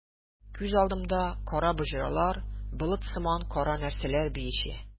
Күз алдымда кара боҗралар, болыт сыман кара нәрсәләр биешә.